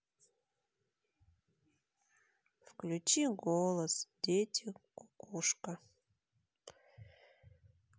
включи голос дети кукушка